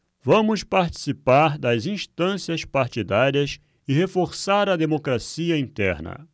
vamos participar das instâncias partidárias e reforçar a democracia interna